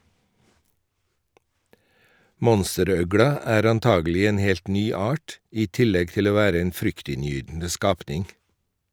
Monsterøgla er antagelig en helt ny art, i tillegg til å være en fryktinngytende skapning.